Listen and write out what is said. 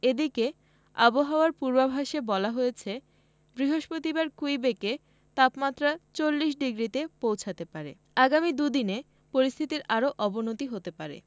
এদিকে আবহাওয়ার পূর্বাভাসে বলা হয়েছে বৃহস্পতিবার কুইবেকে তাপমাত্রা ৪০ ডিগ্রিতে পৌঁছাতে পারে আগামী দু'দিনে পরিস্থিতির আরও অবনতি হতে পারে